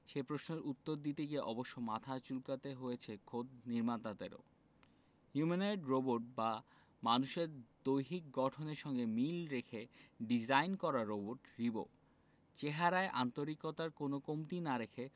সে প্রশ্নের উত্তর দিতে গিয়ে অবশ্য মাথা চুলকাতে হয়েছে খোদ নির্মাতাদেরও হিউম্যানোয়েড রোবট বা মানুষের দৈহিক গঠনের সঙ্গে মিল রেখে ডিজাইন করা রোবট রিবো চেহারায় আন্তরিকতার কোনো কমতি না রেখে